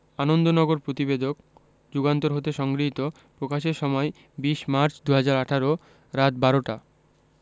আনন্দনগর প্রতিবেদক যুগান্তর হতে সংগৃহীত প্রকাশের সময় ২০মার্চ ২০১৮ রাত ১২:০০ টা